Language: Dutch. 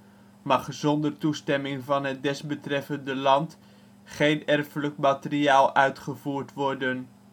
mag zonder toestemming van het betreffende land geen erfelijk materiaal uitgevoerd worden